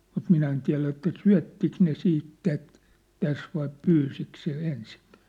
mutta minä en tiedä että syöttikö ne sitten tätä tässä vai pyysikö se ensinkään